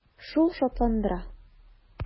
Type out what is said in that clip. Шул шатландыра.